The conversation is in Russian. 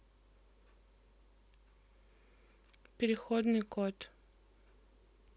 переходный код